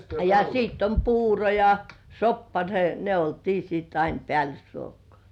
ja sitten on puuro ja soppa ne ne oltiin sitten aina päällysruokaa